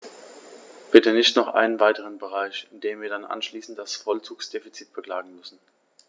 Bitte nicht noch einen weiteren Bereich, in dem wir dann anschließend das Vollzugsdefizit beklagen müssen.